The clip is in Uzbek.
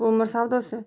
bu umr savdosi